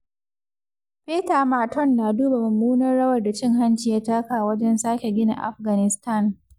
Peter Marton na duban mummunar rawar da cin-hanci ya taka wajen sake gina Afganistan.